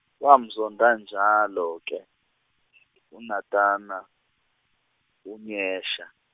wamzonda njalo-ke, uNatana uNyesha.